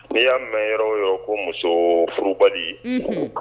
N'i y'a mɛn yɔrɔ yɔrɔ ko muso furubali